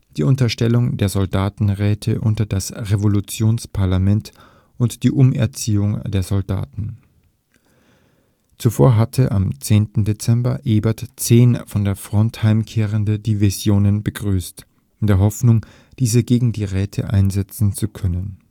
die Unterstellung der Soldatenräte unter das Revolutionsparlament und die Umerziehung der Soldaten. Zuvor hatte am 10. Dezember Ebert zehn von der Front heimkehrende Divisionen begrüßt, in der Hoffnung, diese gegen die Räte einsetzen zu können